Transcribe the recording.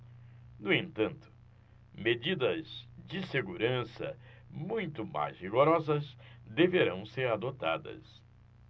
no entanto medidas de segurança muito mais rigorosas deverão ser adotadas